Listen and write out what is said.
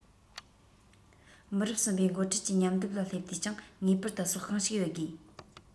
མི རབས གསུམ པའི འགོ ཁྲིད ཀྱི མཉམ བསྡེབ ལ སླེབས དུས ཀྱང ངེས པར དུ སྲོག ཤིང ཞིག ཡོད དགོས